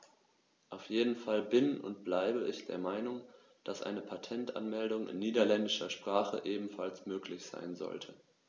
Auf jeden Fall bin - und bleibe - ich der Meinung, dass eine Patentanmeldung in niederländischer Sprache ebenfalls möglich sein sollte.